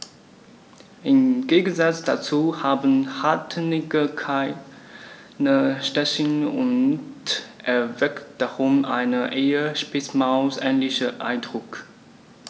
Im Gegensatz dazu haben Rattenigel keine Stacheln und erwecken darum einen eher Spitzmaus-ähnlichen Eindruck.